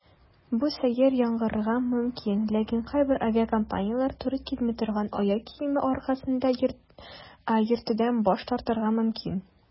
Бу сәер яңгырарга мөмкин, ләкин кайбер авиакомпанияләр туры килми торган аяк киеме аркасында йөртүдән баш тартырга мөмкин.